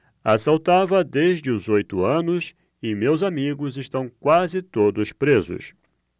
assaltava desde os oito anos e meus amigos estão quase todos presos